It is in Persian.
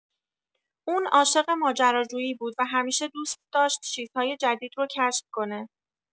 اون عاشق ماجراجویی بود و همیشه دوست داشت چیزهای جدید رو کشف کنه.